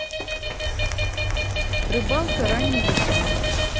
рыбалка ранней весной